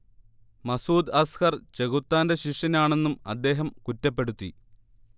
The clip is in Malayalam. മസ്ഊദ് അസ്ഹർ ചെകുത്താന്റെ ശിഷ്യനാണെന്നും അദ്ദേഹം കുറ്റപ്പെടുത്തി